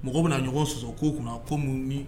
Mɔgɔ bɛna na ɲɔgɔn sɔsɔ ko kunna ko